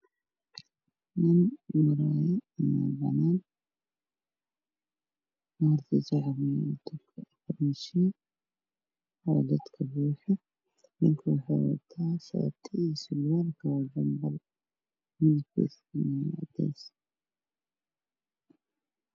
Meeshaas waxa marayo labo gabdhood oo dhaadheer oo kabo madow wato